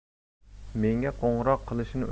menga qo'ng'iroq qilishini